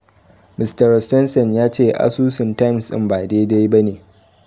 Mr. Rosenstein ya ce asusun Times ɗin ba daidai ba ne.